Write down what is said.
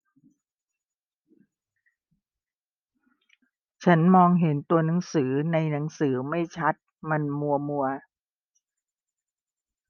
ฉันมองเห็นตัวหนังสือในหนังสือไม่ชัดมันมัวมัว